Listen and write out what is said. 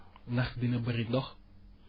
ndax dina bëri ndox